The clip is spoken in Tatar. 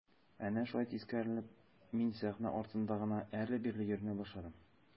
Әнә шулай тискәреләнеп мин сәхнә артында гына әрле-бирле йөренә башладым.